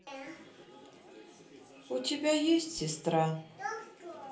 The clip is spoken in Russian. у тебя есть сестра